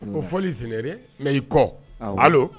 Ko fɔli C'est n'est rien n bɛ i kɔ , awɔ. Allo ?